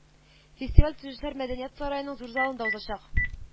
Фестиваль Төзүчеләр мәдәният сараеның зур залында узачак